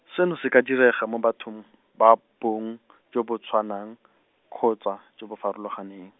seno se ka direga mo bathong, ba bong , jo bo tshwanang, kgotsa, jo bo farologaneng.